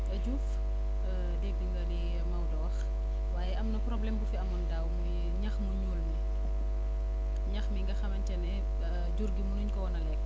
Diouf dégg nga li Maodo wax waaye am na problème bu fi amoon daaw muy ñax mu ñuul ma ñax mi nga xamante ne jur gi munuñ ko woon a lekk